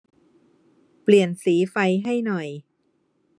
เปลี่ยนสีไฟให้หน่อย